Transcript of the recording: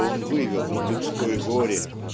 что он вывел людское горе